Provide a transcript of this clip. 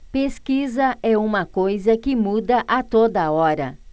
pesquisa é uma coisa que muda a toda hora